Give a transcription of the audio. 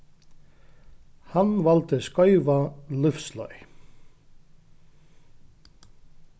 hann valdi skeiva lívsleið